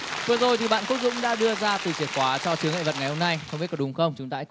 vừa rồi thì bạn quốc dũng đã đưa ra từ chìa khóa cho chướng ngại vật ngày hôm nay không biết có đúng không chúng ta hãy